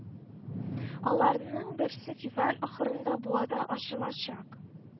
Аларның берсе февраль ахырында Буада ачылачак